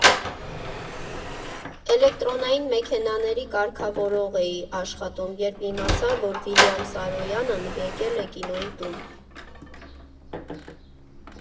Էլեկտրոնային մեքենաների կարգավորող էի աշխատում, երբ իմացա, որ Վիլյամ Սարոյանն է եկել Կինոյի տուն։